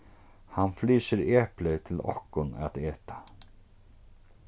hann flysur epli til okkum at eta